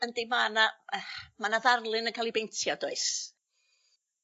Yndi ma' 'na ma' 'na ddarlun yn ca'l ii beintio does?